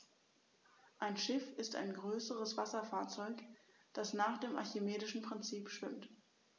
Ein Schiff ist ein größeres Wasserfahrzeug, das nach dem archimedischen Prinzip schwimmt.